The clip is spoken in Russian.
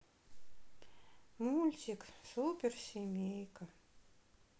мультик супер семейка